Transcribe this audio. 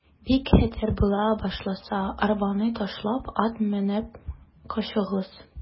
Бик хәтәр була башласа, арбаны ташлап, ат менеп качыгыз.